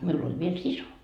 minulla oli vielä sisko